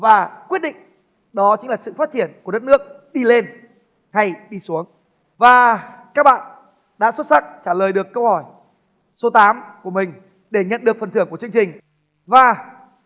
và quyết định đó chính là sự phát triển của đất nước đi lên hay đi xuống và các bạn đã xuất sắc trả lời được câu hỏi số tám của mình để nhận được phần thưởng của chương trình và